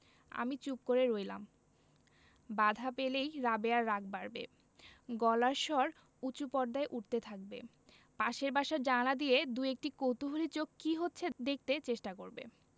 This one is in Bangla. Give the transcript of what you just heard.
আমি চুপ করে রইলাম বাধা পেলেই রাবেয়ার রাগ বাড়বে গলার স্বর উচু পর্দায় উঠতে থাকবে পাশের বাসার জানালা দিয়ে দুএকটি কৌতুহলী চোখ কি হচ্ছে দেখতে চেষ্টা করবে